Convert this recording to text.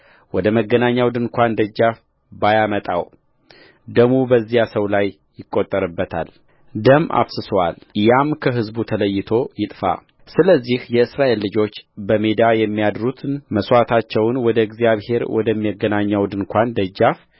ወደ መገናኛው ድንኳን ደጃፍ ባያመጣው ደሙ በዚያ ሰው ላይ ይቈጠርበታል ደም አፍስሶአል ያም ከሕዝቡ ተለይቶ ይጥፋስለዚህ የእስራኤል ልጆች በሜዳ የሚያርዱትን መሥዋዕታቸውን ወደ እግዚአብሔር ወደ መገናኛው ድንኳን ደጃፍ